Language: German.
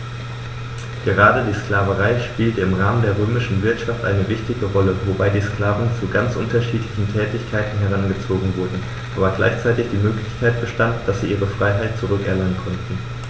Gerade die Sklaverei spielte im Rahmen der römischen Wirtschaft eine wichtige Rolle, wobei die Sklaven zu ganz unterschiedlichen Tätigkeiten herangezogen wurden, aber gleichzeitig die Möglichkeit bestand, dass sie ihre Freiheit zurück erlangen konnten.